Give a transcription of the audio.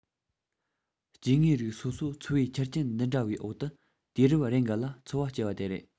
སྐྱེ དངོས རིགས སོ སོ འཚོ བའི ཆ རྐྱེན འདི འདྲ བའི འོག ཏུ དུས རབས རེ འགའ ལ འཚོ བ སྐྱེལ བ དེ རེད